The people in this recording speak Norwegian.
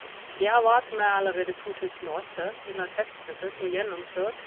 Jeg har vært med allerede to tusen og åtte, under testrittet, og gjennomført.